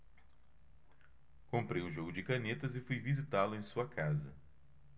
comprei um jogo de canetas e fui visitá-lo em sua casa